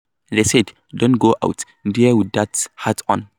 They said, 'don't go out there with that hat on.'